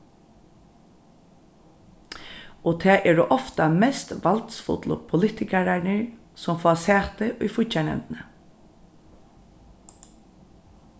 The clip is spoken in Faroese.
og tað eru ofta mest valdsfullu politikararnir sum fáa sæti í fíggjarnevndini